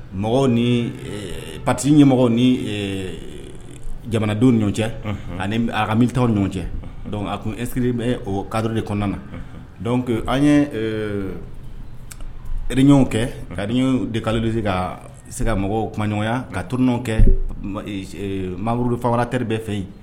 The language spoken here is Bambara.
Mɔgɔw ni pati ye mɔgɔw ni jamanadenw ɲɔgɔn cɛ ani a kamita ɲɔgɔn cɛc a tun esiri kadi de kɔnɔna na an ye ereyw kɛ ka de k' se ka se ka mɔgɔw kuma ɲɔgɔnya ka trinw kɛmurufara teri bɛ fɛ yen